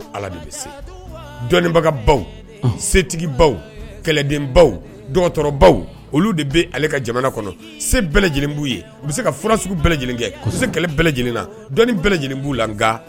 Bagatigi kɛlɛdenbaw dɔgɔtɔrɔ olu de bɛ ka jamana kɔnɔ se lajɛlen b' u bɛ se ka bɛɛ lajɛlen se kɛlɛ dɔnni b'u la